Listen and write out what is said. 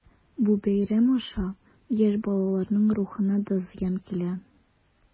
Бу бәйрәм аша яшь балаларның рухына да зыян килә.